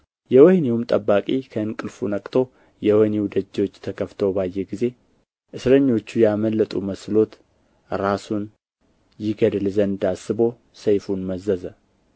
የወኅኒውም ጠባቂ ከእንቅልፉ ነቅቶ የወኅኒው ደጆች ተከፍተው ባየ ጊዜ እስረኞቹ ያመለጡ መስሎት ራሱን ይገድል ዘንድ አስቦ ሰይፉን መዘዘ